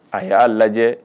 A y'a lajɛ